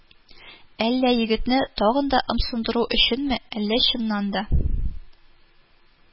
Әллә егетне тагын да ымсындыру өченме, әллә чыннан да